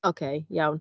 Ok, iawn.